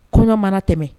Kɔɲɔ mana tɛmɛ